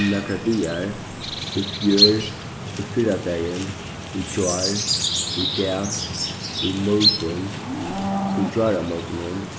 um nakrar dagar í fjør í fyrradagin í gjár í dag í morgun í gjáramorgunin